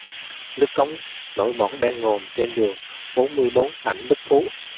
nước cống nổi bọt đen ngòm trên đường bốn mươi bốn ảnh đức phú